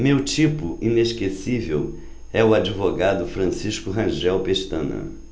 meu tipo inesquecível é o advogado francisco rangel pestana